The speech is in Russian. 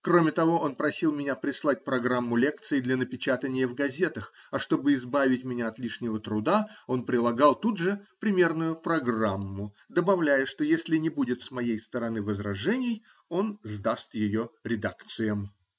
Кроме того, он просил меня прислать программу лекции для напечатания в газетах, а чтобы избавить меня от лишнего труда, он прилагал тут же примерную программу, добавляя, что если не будет с моей стороны возражений, он сдаст ее редакциям.